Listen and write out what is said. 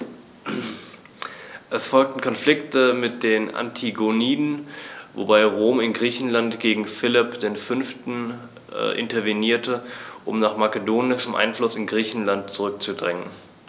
Es folgten Konflikte mit den Antigoniden, wobei Rom in Griechenland gegen Philipp V. intervenierte, um den makedonischen Einfluss in Griechenland zurückzudrängen.